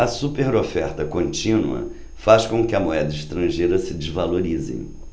a superoferta contínua faz com que a moeda estrangeira se desvalorize